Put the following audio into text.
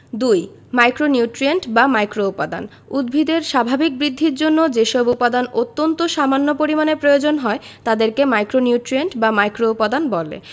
২ micronutrient বা মাইক্রোউপাদান উদ্ভিদের স্বাভাবিক বৃদ্ধির জন্য যেসব উপাদান অত্যন্ত সামান্য পরিমাণে প্রয়োজন হয় তাদেরকে মাইক্রোনিউট্রিয়েন্ট বা মাইক্রোউপাদান বলে